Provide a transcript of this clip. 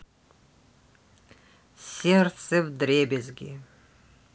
сердце вдребезги